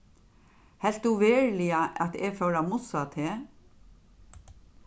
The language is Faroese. helt tú veruliga at eg fór at mussa teg